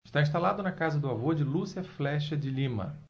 está instalado na casa do avô de lúcia flexa de lima